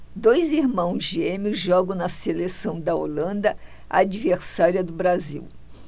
dois irmãos gêmeos jogam na seleção da holanda adversária do brasil